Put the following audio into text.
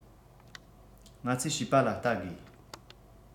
ང ཚོས བྱིས པ ལ བལྟ དགོས